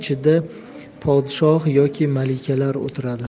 ko'taradi uning ichida podshoh yoki malikalar o'tiradi